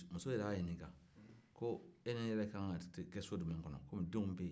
muso yɛrɛ y'a ɲinikan ko e ni yɛrɛ ka kan ka kɛ so jumɛn kɔnɔ kɔmi denw bɛ yen